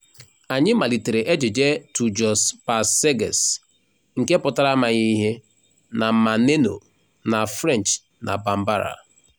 Anyị malitere ejije Toujours Pas Sages (nke pụtara amaghị ihe) na Maneno, na French na Bambara.